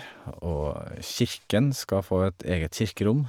Og kirken skal få et eget kirkerom.